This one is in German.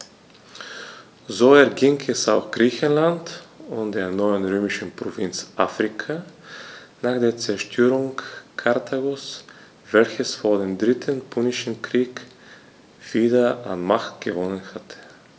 So erging es auch Griechenland und der neuen römischen Provinz Afrika nach der Zerstörung Karthagos, welches vor dem Dritten Punischen Krieg wieder an Macht gewonnen hatte.